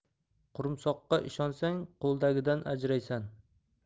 qurumsoqqa ishonsang qo'ldagidan ajraysan